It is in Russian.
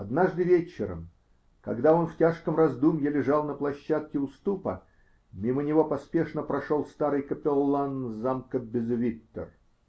Однажды вечером, когда он в тяжком раздумье лежал на площадке уступа, мимо него поспешно прошел старый капеллан замка Безевиттер.